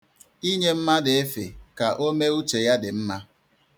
Inye mmadụ efe ka o mee uche ya dị mma.